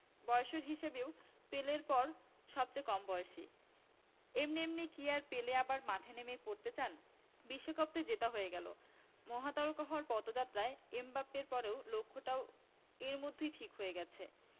বয়সের হিসাবেও পেলের পর সবচেয়ে কম বয়সী এমনি এমনি কি আর পেলে আবার মাঠে নেমে পড়তে চান বিশ্বকাপ তো জেতা হয়ে গেল মহাতারকা হওয়ার পথযাত্রায় এমবাপ্পের পরের লক্ষ্যটাও এরই মধ্যে ঠিক হয়ে গেছে